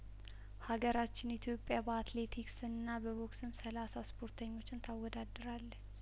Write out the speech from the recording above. ሀገራችን ኢትዮጵያ በአትሌቲክስና በቦክስም ሰላሳ ስፖርተኞችን ታወዳድራለች